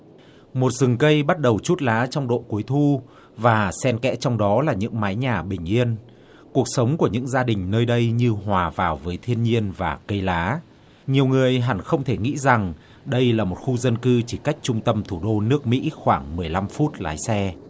một rừng cây bắt đầu trút lá trong độ cuối thu và xen kẽ trong đó là những mái nhà bình yên cuộc sống của những gia đình nơi đây như hòa vào với thiên nhiên và cây lá nhiều người hẳn không thể nghĩ rằng đây là một khu dân cư chỉ cách trung tâm thủ đô nước mỹ khoảng mười lăm phút lái xe